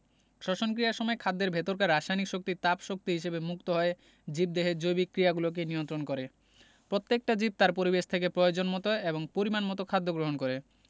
শ্বসন ক্রিয়ার সময় খাদ্যের ভেতরকার রাসায়নিক শক্তি তাপ শক্তি হিসেবে মুক্ত হয়ে জীবদেহের জৈবিক ক্রিয়াগুলোকে নিয়ন্ত্রন করে প্রত্যেকটা জীব তার পরিবেশ থেকে প্রয়োজনমতো এবং পরিমাণমতো খাদ্য গ্রহণ করে